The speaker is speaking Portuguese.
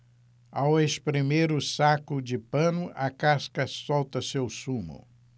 ao espremer o saco de pano a casca solta seu sumo